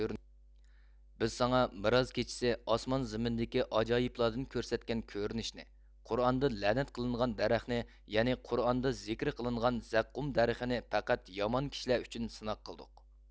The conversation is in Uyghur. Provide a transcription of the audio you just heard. بىز ساڭا مىراج كىچىسى ئاسمان زېمىندىكى ئاجايىپلاردىن كۆرسەتكەن كۆرۈنۈشنى قۇرئاندا لەنەت قىلىنغان دەرەخنى يەنى قۇرئاندا زىكرى قىلىنغان زەققۇم دەرىخىنى پەقەت يامان كىشىلەر ئۈچۈن سىناق قىلدۇق